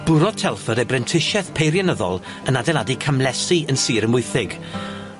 bwrodd Telford ei brentisieth peirianyddol yn adeiladu camlesi yn sir Amwythig.